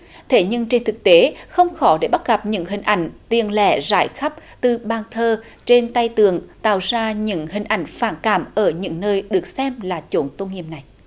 thế nhưng trên thực tế không khó để bắt gặp những hình ảnh tiền lẻ rải khắp từ bàn thờ trên tay tượng tạo ra những hình ảnh phản cảm ở những nơi được xem là chốn tôn nghiêm này